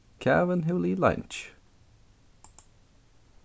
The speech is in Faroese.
kavin hevur ligið leingi